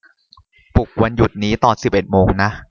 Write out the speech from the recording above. ปลุกวันหยุดนี้ตอนสิบเอ็ดโมงนะ